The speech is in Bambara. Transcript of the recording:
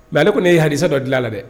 Mɛ ale ko ne ye hasa dɔ dilan la dɛ